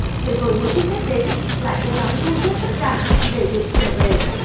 để rồi mỗi khi tết đến lại cố gắng thu xếp tất cả để được trở về